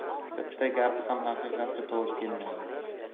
bitta gapi ham haqiqatga to'g'ri kelmaydi